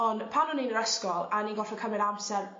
On' pan o'n i'n yr ysgol a o'n i'n gorffo cymryd amser